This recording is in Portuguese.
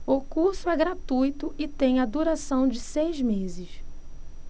o curso é gratuito e tem a duração de seis meses